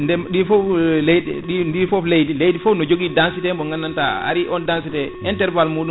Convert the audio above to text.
ndem * ɗi foof leyɗe ndi foof leydi leydi foof ne densité mo gandanta a ari on densité intervale muɗum